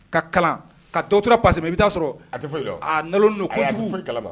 Ka kalan ka doctorat passer mais i bɛ taa sɔrɔɔ a te foyi dɔn aa nalonnen do kojugu ayi a te foyi kalama